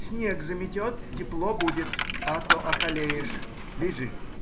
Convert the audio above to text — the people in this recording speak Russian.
снег заметет, тепло будет а то околеешь. Лежи!